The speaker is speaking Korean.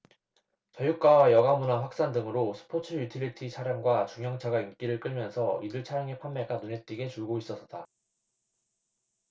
저유가와 여가문화 확산 등으로 스포츠유틸리티차량과 중형차가 인기를 끌면서 이들 차량의 판매가 눈에 띄게 줄고 있어서다